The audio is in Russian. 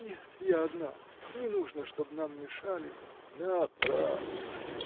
— Нет, я одна: не нужно, чтоб нам мешали. — Напрасно!